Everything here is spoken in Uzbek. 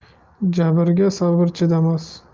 jabiga sabr chidamas